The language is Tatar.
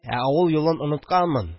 Ә авыл юлын онытканмын